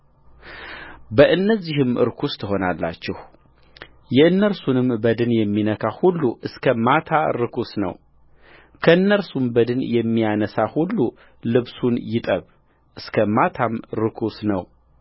በእነዚህም ርኩስ ትሆናላችሁ የእነርሱንም በድን የሚነካ ሁሉ እስከ ማታ ርኩስ ነውከእነርሱም በድን የሚያነሣ ሁሉ ልብሱን ይጠብ እስከ ማታም ርኩስ ነው